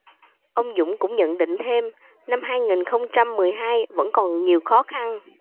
ông dũng cũng nhận định thêm năm hai nghìn không trăm mười hai vẫn còn nhiều khó khăn